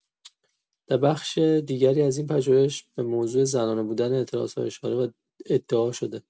در بخش دیگری از این پژوهش به موضوع زنانه بودن اعتراض‌ها اشاره و ادعا شده